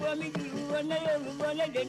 Jɔnmu ne negɛ